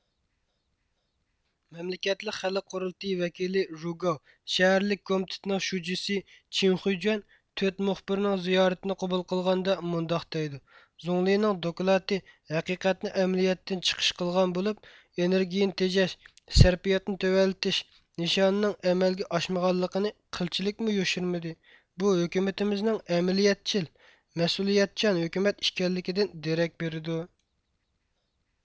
مەملىكەتلىك خەلق قۇرۇلتىيى ۋەكىلى رۇگاۋ شەھەرلىك كومىتېتنىڭ شۇجىسى چېنخۈيجۆەن تۆت مۇخبىرنىڭ زىيارىتىنى قوبۇل قىلغاندا مۇنداق دەيدۇ زۇڭلىنىڭ دوكلاتى ھەقىقەتنى ئەمەلىيەتتىن چىقىش قىلغان بولۇپ ئېنېرگىيىنى تېجەش سەرپىياتنى تۆۋەنلىتىش نىشانىنىڭ ئەمەلگە ئاشمىغانلىقىنى قىلچىلىكمۇ يوشۇرمىدى بۇ ھۆكۈمىتىمىزنىڭ ئەمەلىيەتچىل مەسئۇلىيەتچان ھۆكۈمەت ئىكەنلىكىدىن دېرەك بېرىدۇ